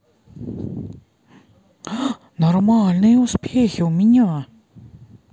нормальные успехи у меня